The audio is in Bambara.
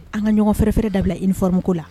An ka ɲɔgɔn fɛrɛɛrɛ fɛrɛɛrɛ dabila i ni fɔlɔm la